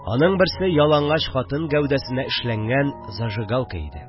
Аның берсе ялангач хатын гәүдәсенә эшләнгән зажигалка иде